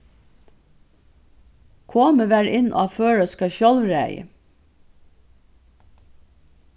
komið varð inn á føroyska sjálvræðið